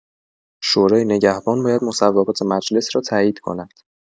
شورای نگهبان باید مصوبات مجلس را تایید کند.